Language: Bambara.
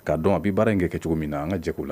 Ka dɔn a bɛ baara in kɛ kɛ cogo min na, an ka jɛn ko la